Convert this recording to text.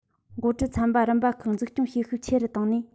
འགོ ཁྲིད ཚན པ རིམ པ ཁག འཛུགས སྐྱོང བྱེད ཤུགས ཆེ རུ བཏང ནས